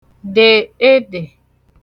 dè (edè)